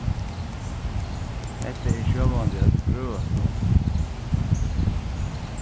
hetta er sjálvandi at frøast um